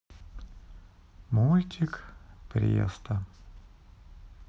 мультик престо